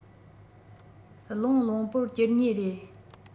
བློང བློང པོར གྱུར ངེས རེད